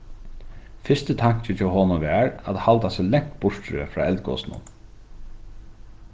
fyrsti tankin hjá honum var at halda seg langt burturi frá eldgosinum